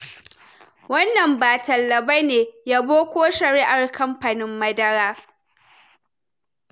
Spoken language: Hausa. wannan ba talla bane na yabo ko shari’ar kamfanin madara.”